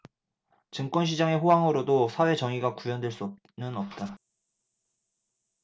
증권 시장의 호황으로도 사회 정의가 구현될 수는 없다